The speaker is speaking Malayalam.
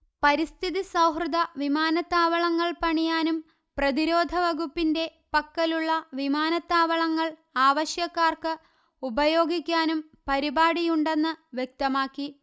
പരിസ്ഥിതി സൌഹൃദ വിമാനത്താവളങ്ങൾ പണിയാനും പ്രതിരോധ വകുപ്പിന്റെ പക്കലുള്ള വിമാനത്താവളങ്ങൾ ആവശ്യക്കാർക്ക് ഉപയോഗിക്കാനും പരിപാടിയുണ്ടെന്ന്വ്യക്തമാക്കി